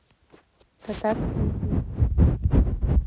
татарские песни